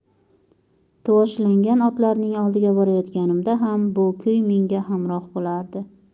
tushovlangan otlarning oldiga borayotganimda ham bu kuy menga hamroh bo'lardi